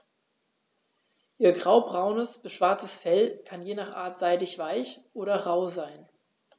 Ihr graubraunes bis schwarzes Fell kann je nach Art seidig-weich oder rau sein.